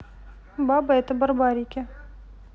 баба это барбарики